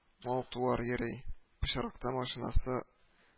Мал-туар йөри, пычракта машинасы